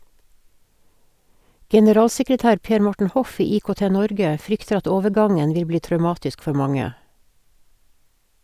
Generalsekretær Per Morten Hoff i IKT-Norge frykter at overgangen vil bli traumatisk for mange.